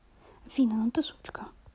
афина но ты сучка